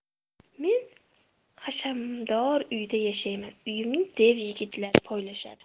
men hashamdor uyda yashayman uyimni dev yigitlar poylashadi